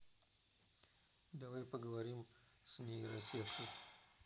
давай поговорим с нейросеткой